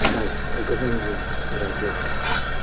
a daeth o gyfeiriad yr eglwys.